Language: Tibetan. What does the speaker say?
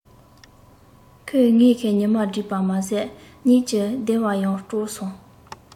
ཁོས ངའི ཉི མ སྒྲིབ པ མ ཟད གཉིད ཀྱི བདེ བ ཡང དཀྲོགས སོང